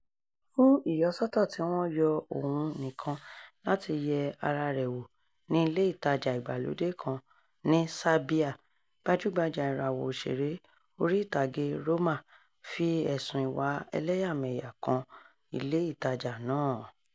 Fún ìyọsọ́tọ̀ tí wọ́n yọ òun nìkan láti yẹ ara rẹ̀ wò ní ilé ìtajà ìgbàlódé kan ní Serbia, gbajúgbajà ìràwọ̀ òṣèré orí-ìtàgé Roma fi ẹ̀sùn ìwà elẹ́yàmẹyà kan ilé ìtajà náà